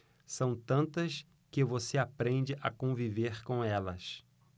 são tantas que você aprende a conviver com elas